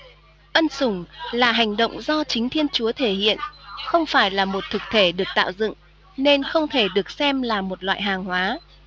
ân sủng là hành động do chính thiên chúa thể hiện không phải là một thực thể được tạo dựng nên không thể được xem là một loại hàng hóa